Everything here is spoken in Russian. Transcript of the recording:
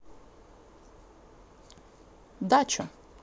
дачу